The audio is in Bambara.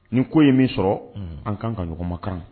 Nin ko ye min sɔrɔ an kan ka ɲɔgɔnmakanran